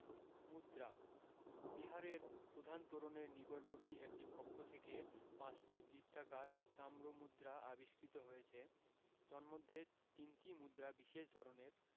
মুদ্রাঃ বিহারের প্রধান তোরণের নিকটবর্তী একটি কক্ষ থেকে ৫টি বৃত্তাকার তাম্র মুদ্রা আবিষ্কৃত হয়েছে তন্মধ্যে তিনটি মুদ্রা বিশেষ ধরনের